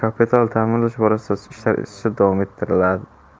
va kapital ta'mirlash borasidagi ishlar izchil davom ettirildi